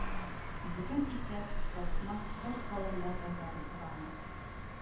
Бүген исә Тасма спорт залында Гагарин урамы